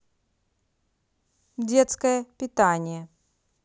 детское питание